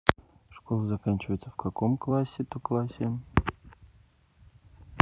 школа заканчивается в каком то классе